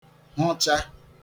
hụcha